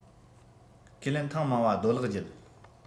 ཁས ལེན ཐེངས མང བ རྡོ ལག བརྒྱུད